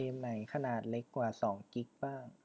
เกมไหนขนาดเล็กกว่าสองกิ๊กบ้าง